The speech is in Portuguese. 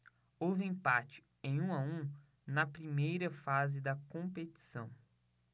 houve empate em um a um na primeira fase da competição